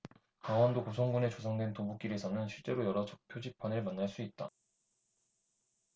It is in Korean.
강원도 고성군에 조성된 도보길에서는 실제로 여러 표지판을 만날 수 있다